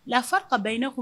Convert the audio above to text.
Lafifari ka ba hinɛ kun